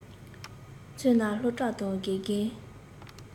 མཚོན ན སློབ གྲྭ དང དགེ རྒན